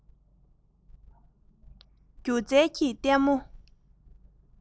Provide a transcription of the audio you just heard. སྒྱུ རྩལ གྱི ལྟད མོ